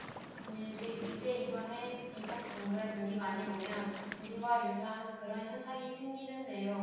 정윤식 이제 이번에 미국 동부에 눈이 많이 오면 우리와 유사한 그런 현상이 생기는데요